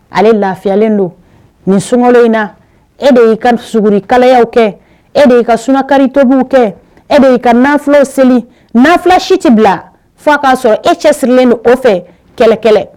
Ale lafiyalen don nin sun in na e de y'i ka sugukalaya kɛ e de y' ka sunka tobi kɛ e de y'i ka nafw seli na fila siti bila fa k'a sɔrɔ e cɛ sirilen don o fɛ kɛlɛ kɛlɛ